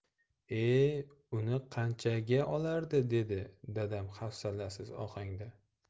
e uni qanchaga olardi dedi dadam hafsalasiz ohangda